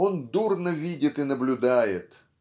Он дурно видит и наблюдает